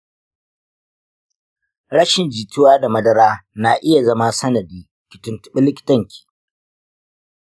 rashin jituwa da madara na iya zama sanadi; ki tuntubi likitanki.